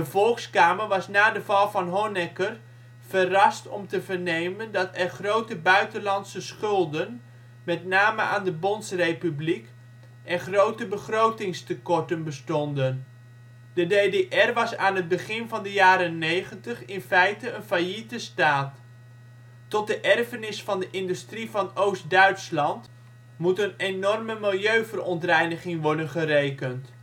Volkskamer was na de val van Honecker verrast om te vernemen dat er grote buitenlandse schulden, met name aan de Bondsrepubliek, en grote begrotingstekorten bestonden. De DDR was aan het begin van de jaren ' 90 in feite een failliete staat. Tot de erfenis van de industrie van Oost-Duitsland moet een enorme milieuverontreiniging worden gerekend